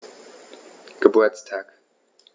Geburtstag